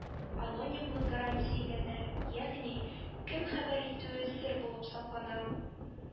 Анонимлык гарантияләнә, ягъни, кем хәбәр итүе сер булып саклана.